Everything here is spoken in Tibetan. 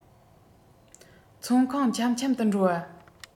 ཚོང ཁང འཆམ འཆམ དུ འགྲོ བ